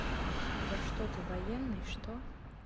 да что ты военный что